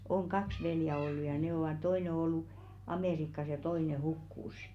on kaksi veljeä ollut ja ne ovat toinen on ollut Amerikassa ja toinen hukkui